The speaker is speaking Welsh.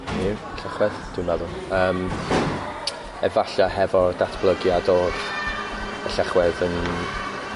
Hynny yw y llechwedd dwi'n meddwl yym efalle hefo y datblygiad o y llechwedd yn